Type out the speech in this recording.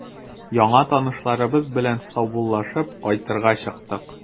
Яңа танышларыбыз белән саубуллашып, кайтырга чыктык.